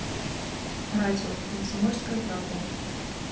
радио комсомольская правда